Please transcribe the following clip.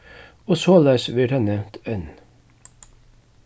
og soleiðis verður tað nevnt enn